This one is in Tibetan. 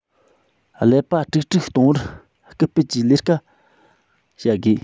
ཀླད པ དཀྲུག དཀྲུག གཏོང བར སྐུལ སྤེལ གྱི ལས ཀ བྱ དགོས